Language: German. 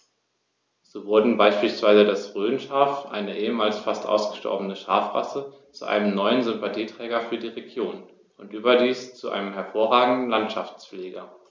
So wurde beispielsweise das Rhönschaf, eine ehemals fast ausgestorbene Schafrasse, zu einem neuen Sympathieträger für die Region – und überdies zu einem hervorragenden Landschaftspfleger.